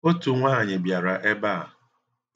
Otu nwaanyị bịara ebe a